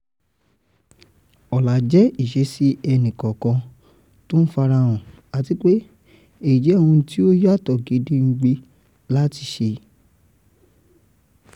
Ọ̀lá jẹ́ ìṣesí ẹ̀nì kọ̀ọ̀kan to ń farahàn, àtipé èyí jẹ́ ohun ti ó yàtọ̀ gedégbé láti ṣe.